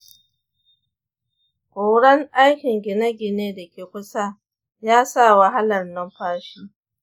ƙuran aikin gine-gine da ke kusa ya sa wahalar numfashi.